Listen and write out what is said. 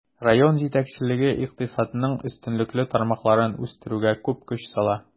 Район җитәкчелеге икътисадның өстенлекле тармакларын үстерүгә күп көч сала.